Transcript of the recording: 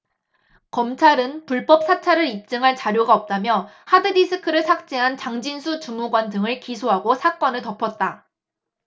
검찰은 불법 사찰을 입증할 자료가 없다며 하드디스크를 삭제한 장진수 주무관 등을 기소하고 사건을 덮었다